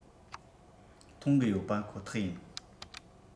མཐོང གི ཡོད པ ཁོ ཐག ཡིན